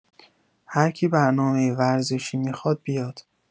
هرکی برنامه ورزشی میخواد بیاد